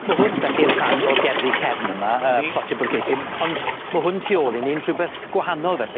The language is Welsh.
Ma' hwn felly yn rhan o'r gerddi cefn yma yy plotio bwrcesi m- ond ma' hwn tu ôl i ni'n rhwbeth gwahanol felly.